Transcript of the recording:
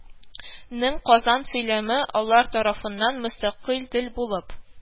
Нең казан сөйләме алар тарафыннан мөстәкыйль тел булып